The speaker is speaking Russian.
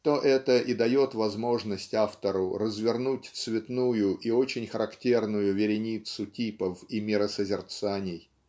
то это и дает возможность автору развернуть цветную и очень характерную вереницу типов и миросозерцании.